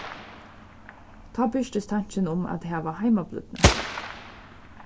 tá birtist tankin um at hava heimablídni